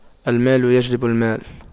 المال يجلب المال